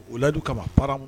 O ladu kama pan